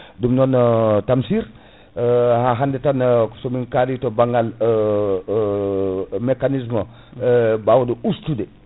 ɗum non Tamsir ha hande tan somin kaali to banggal mécanisme bawɗo ustude